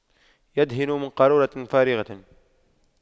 يدهن من قارورة فارغة